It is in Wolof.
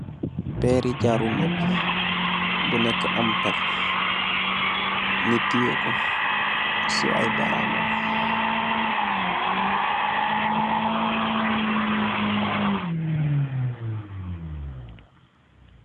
Pééri jaru nopuh bu nekk am péér , nit tiyèh ko ci ap baramam.